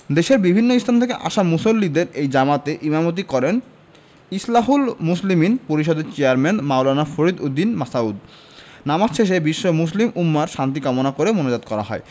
দেশের বিভিন্ন স্থান থেকে আসা মুসল্লিদের এই জামাতে ইমামতি করেন ইসলাহুল মুসলিমিন পরিষদের চেয়ারম্যান মাওলানা ফরিদ উদ্দীন মাসউদ নামাজ শেষে বিশ্ব মুসলিম উম্মাহর শান্তি কামনা করে মোনাজাত করা হয়